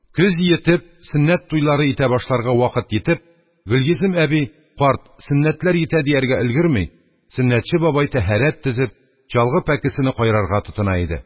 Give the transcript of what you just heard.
Көз йитеп, сөннәт туйлары итә башларга вакыт йитеп, Гөлйөзем әби: «Карт, «сөннәтләр» йитә», – дияргә өлгерми, Сөннәтче бабай, тәһарәт төзеп, чалгы пәкесене кайрарга тотына иде.